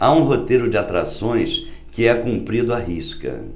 há um roteiro de atrações que é cumprido à risca